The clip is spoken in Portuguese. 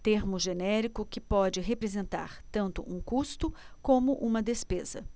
termo genérico que pode representar tanto um custo como uma despesa